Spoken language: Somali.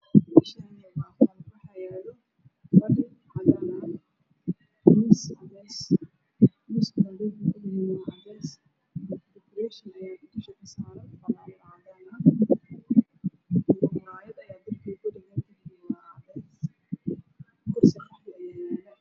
meshaane waxaa yaalo fadhi cadaan ah miis cadesah miisakun dhulak.ow yaalo waa cadees behind ayaa dusha kasan oo walib cadaan ah iyo muryad ayaa darbig ku dhagan daribku waa cadees kursi qaxwi ayaa yaalo